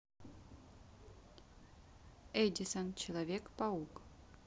эдисон человек паук